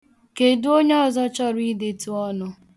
Kedu onye ọzọ chọrọ idetụ ọnụ?